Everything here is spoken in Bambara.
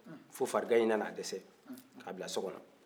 fo fariganyin na na a dɛsɛ ka bila so kɔnɔ